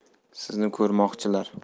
sizni ko'rmoqchilar